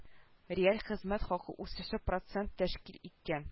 Реаль хезмәт хакы үсеше процент тәшкил иткән